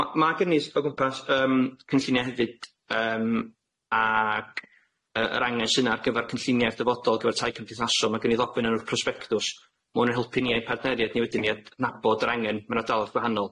Ma' ma' gynnydd o gwmpas yym cynllunia hefyd yym ag yy yr angen sy 'na ar gyfar cynllunia'r dyfodol gyfar tai cymdeithasol ma' gynna'i ddogfen yn y prosbectws ma' hwn yn helpu ni a ein partneriad ni wedyn i adnabod yr angen mewn ardaloedd gwahanol.